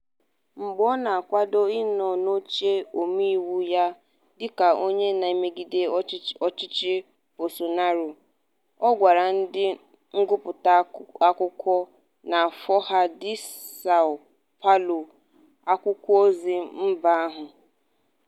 Mgbe ọ na-akwado ịnọ n'oche omeiwu ya dịka onye na-emegide ọchịchị Bolsonaro, ọ gwara ndị ngụpụta akụkọ na Folha de São Paulo, akwụkwọozi mba ahụ: